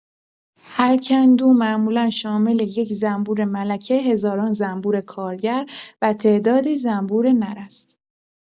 هر کندو معمولا شامل یک زنبور ملکه، هزاران زنبور کارگر و تعدادی زنبور نر است.